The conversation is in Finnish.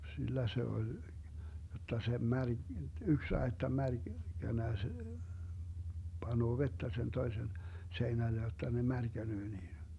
sillä se oli jotta se - yksi aitta - märkänä se panee vettä sen toisen seinälle jotta ne märkänee niin